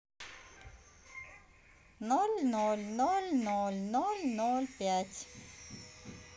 ноль ноль ноль ноль ноль ноль пять